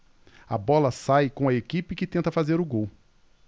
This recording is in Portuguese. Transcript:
a bola sai com a equipe que tenta fazer o gol